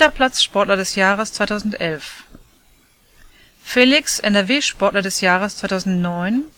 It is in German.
Platz Sportler des Jahres 2011 Felix - NRW Sportler des Jahres 2009